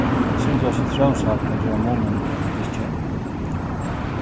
eitt sindur av sitrónsaft kann gera munin í einum drykki